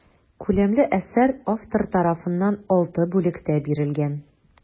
Күләмле әсәр автор тарафыннан алты бүлектә бирелгән.